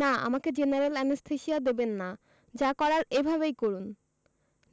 না আমাকে general anaesthesia দেবেন না যা করার এভাবেই করুন